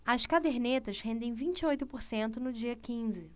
as cadernetas rendem vinte e oito por cento no dia quinze